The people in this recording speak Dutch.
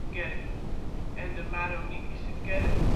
Kerk en de Maronitische Kerk